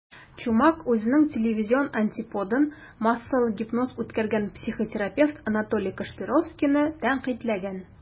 Чумак үзенең телевизион антиподын - массалы гипноз үткәргән психотерапевт Анатолий Кашпировскийны тәнкыйтьләгән.